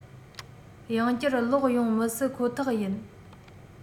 ཡང བསྐྱར ལོག ཡོང མི སྲིད ཁོ ཐག ཡིན